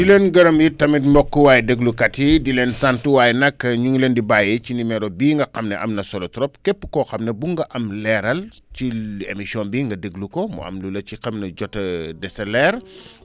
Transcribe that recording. di leen gërëm itamit mbokk waay déglukat yi di leen sant waaye nag ñu ngi leen di bàyyi ci numéro bii nga xam ne am na solo trop képp koo xam ne bugg nga am leeral ci émission bi nga déglu ko mu am lu la ci xam ne jot a desee leer